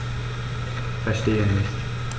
Verstehe nicht.